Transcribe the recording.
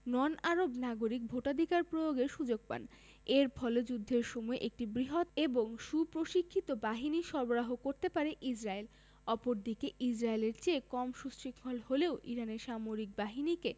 নন Arab নাগরিক ভোটাধিকার প্রয়োগের সুযোগ পান এর ফলে যুদ্ধের সময় একটি বৃহৎ এবং সুপ্রশিক্ষিত বাহিনী সরবরাহ করতে পারে ইসরায়েল অপরদিকে ইসরায়েলের চেয়ে কম সুশৃঙ্খল হলেও ইরানি সামরিক বাহিনীকে